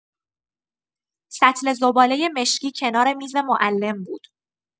سطل زباله مشکی کنار میز معلم بود.